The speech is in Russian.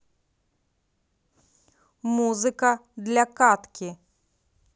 музыка для катки